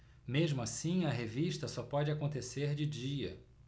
mesmo assim a revista só pode acontecer de dia